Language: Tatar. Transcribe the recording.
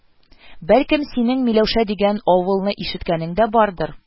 Бәлкем, синең Миләүшә дигән авылны ишеткәнең дә бардыр